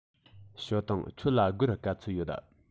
ཞའོ ཏུང ཁྱོད ལ སྒོར ག ཚོད ཡོད